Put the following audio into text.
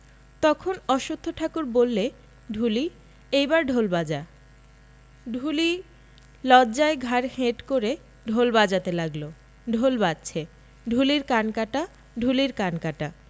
অশ্বথ ঠাকুর বললে ঢুলি এইবার ঢোল বাজা ঢুলি লজ্জায় ঘাড় হেট করে ঢোল বাজাতে লাগল ঢোল বাজছে ঢুলির কান কাটা ঢুলির কান কাটা